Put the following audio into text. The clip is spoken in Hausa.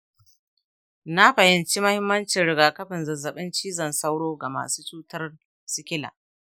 na fahimci muhimmancin rigakafin zazzaɓin cizon sauro ga masu cutar sikila.